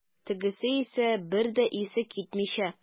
Тегесе исә, бер дә исе китмичә.